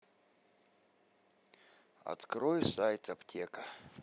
открой сайт аптека